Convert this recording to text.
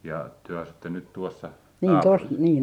ja te asutte nyt tuossa naapurissa